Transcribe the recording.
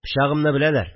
Пычагымны беләләр